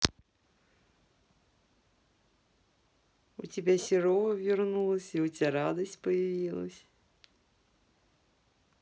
у тебя серова вернулась и у тебя радость появилась